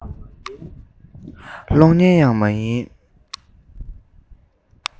མིན ལ གློག བརྙན ཡང མ ཡིན